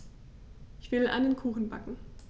Ich will einen Kuchen backen.